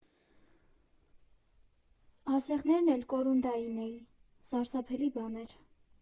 Ասեղներն էլ կորունդային էի, սարսափելի բան էր։